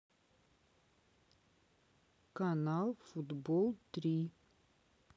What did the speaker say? канал футбол три